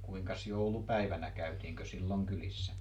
kuinkas joulupäivänä käytiinkö silloin kylissä